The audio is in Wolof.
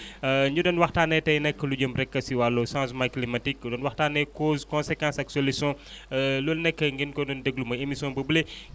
énu doon waxtaanee tey nag lu jëm rek si wàllu changement climatique ñu doon waxtaanee causes conséquences ak solutions loolu nag ngeen ko doon déglu mooy émission boobule